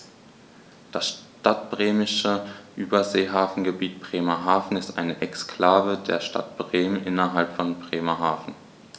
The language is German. Das Stadtbremische Überseehafengebiet Bremerhaven ist eine Exklave der Stadt Bremen innerhalb von Bremerhaven.